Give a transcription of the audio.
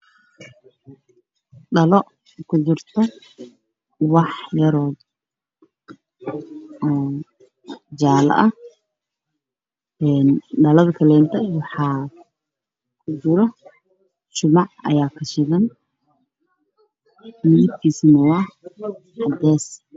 Dhalo ku jirto wax yar oo jaalo ah